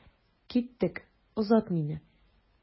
Киттек, озат мине.